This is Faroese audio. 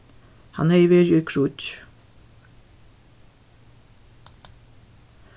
hann hevði verið í kríggj